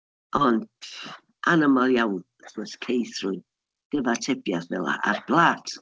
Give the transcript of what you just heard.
Ond anamal iawn wrth gwrs ceith rywun gyfatebiad fela ar blât.